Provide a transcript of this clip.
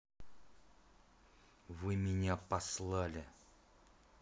вы меня послали